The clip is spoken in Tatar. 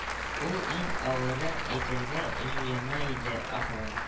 Ул иң авырын әйтергә җыена иде, ахры